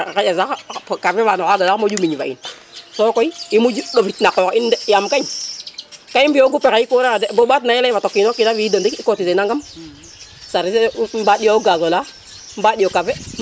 xaƴa sax café ne xanga sax moƴu miñ fa in sokoy i muƴ ndofit na qox in de yaam kay ka i mbiyo gu pexey ku ref na de bo ɓaat na te fato kino kin a fi id cotiser nangam sarze mbaɗ yo o gaz ola mbaɗ yo o café